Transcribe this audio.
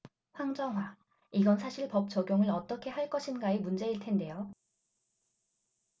황정화 이건 사실 법 적용을 어떻게 할 것인가의 문제일 텐데요